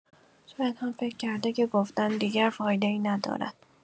شاید هم فکر کرده که گفتن دیگر فایده‌ای ندارد.